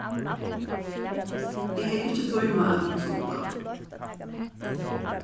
eg hevði ikki tímað at hugsa um tað